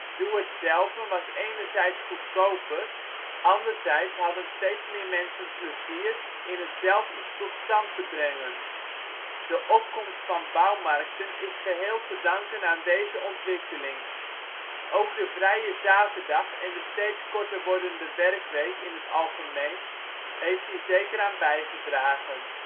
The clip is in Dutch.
Doe-het-zelven was enerzijds goedkoper, anderzijds hadden steeds meer mensen plezier in het zelf iets tot stand te brengen. De opkomst van bouwmarkten is geheel te danken aan deze ontwikkeling. Ook de vrije zaterdag en de steeds korter wordende werkweek in het algemeen heeft hier zeker aan bijgedragen